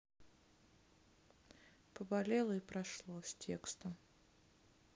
поболело и прошло с текстом